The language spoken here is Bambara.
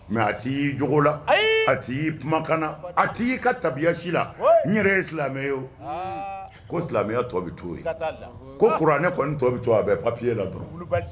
Mais a t'i y'i jogo la; ayi; , a t'i y'i kuma kan na; abada;a t'i y'i ka tabiya si la. Foyi; N yɛrɛ ye silamɛ ye o ; haa, ko silamɛya tɔ bɛ t'o ye; siga t'a la, ko kuranɛ kɔnni tɔ bɛ to a bɛ papier la dɔrɔn, wilibali.